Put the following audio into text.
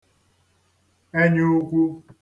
ẹnyaukwu